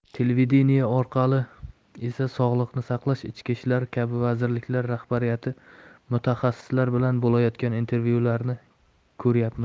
televideniye orqali esa sog'liqni saqlash ichki ishlar kabi vazirliklar rahbariyati mutaxassislar bilan bo'layotgan intervyularni ko'ryapmiz